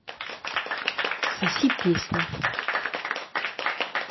соси песню